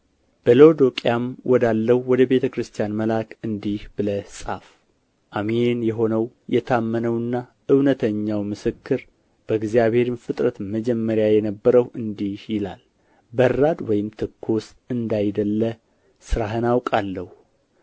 በሎዶቅያም ወዳለው ወደ ቤተ ክርስቲያን መልአክ እንዲህ ብለህ ጻፍ አሜን የሆነው የታመነውና እውነተኛው ምስክር በእግዚአብሔርም ፍጥረት መጀመሪያ የነበረው እንዲህ ይላል